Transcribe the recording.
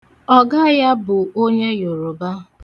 Ọga ya bụ onye Yoroba.